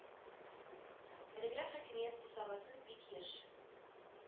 Элегрәк хакимият бусагасын бик еш